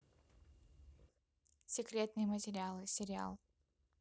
секретные материалы сериал